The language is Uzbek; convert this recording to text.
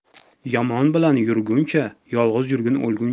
yomon bilan yurguncha yolg'iz yurgin o'lguncha